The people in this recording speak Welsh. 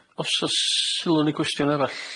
Os- o's sylw ne' gwestiwn arall?